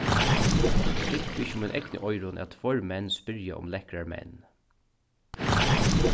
trúgvi ikki mínum egnu oyrum at tveir menn spyrja um lekkrar menn